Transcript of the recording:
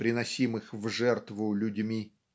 приносимых в жертву людьми.